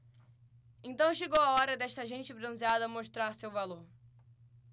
então chegou a hora desta gente bronzeada mostrar seu valor